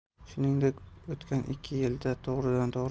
shuningdek o'tgan ikki yilda to'g'ridan to'g'ri